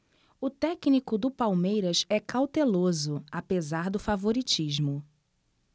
o técnico do palmeiras é cauteloso apesar do favoritismo